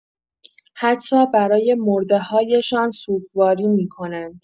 حتی برای مرده‌هایشان سوگواری می‌کنند!